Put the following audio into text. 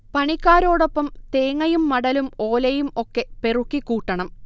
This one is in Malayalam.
പണിക്കാരോടൊപ്പം തേങ്ങയും മടലും ഓലയും ഒക്കെ പെറുക്കി കൂട്ടണം